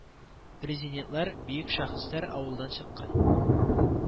Президентлар, бөек шәхесләр авылдан чыккан